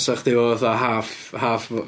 'Sech chdi efo fatha half half...